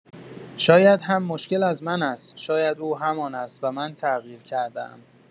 شاید هم مشکل از من است، شاید او همان است و من تغییر کرده‌ام.